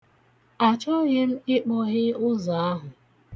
Achọghị m ịkpọghe ụzọ ahụ.